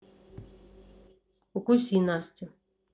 укуси настю